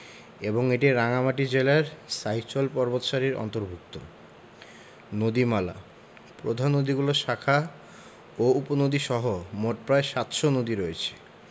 এবং এটি রাঙ্গামাটি জেলার সাইচল পর্বতসারির অন্তর্ভূক্ত নদীমালাঃ প্রধান নদীগুলোর শাখা ও উপনদীসহ মোট প্রায় ৭০০ নদী রয়েছে